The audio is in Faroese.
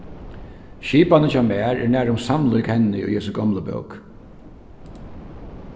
skipanin hjá mær er nærum samlík henni í hesi gomlu bók